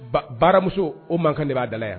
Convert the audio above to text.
Baramuso o man kan de b'a dala yan